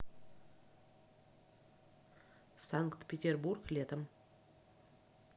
санкт петербург летом